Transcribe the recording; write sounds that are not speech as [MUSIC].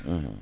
[HESITATION] [HESITATION]